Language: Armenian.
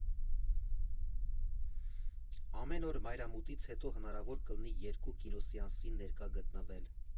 Ամեն օր մայրամուտից հետո հնարավոր կլինի երկու կինոսեանսի ներկա գտնվել։